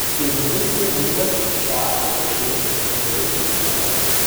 Gegen 1500 starb das Geschlecht der Sentlinger aus